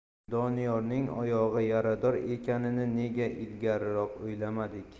doniyorning oyog'i yarador ekanini nega ilgariroq o'ylamadik